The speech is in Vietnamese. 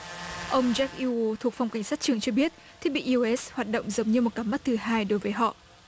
ông chác diu thuộc phòng cảnh sát trưởng cho biết thiết bị iu ét hoạt động giống như một cặp mắt thứ hai đối với họ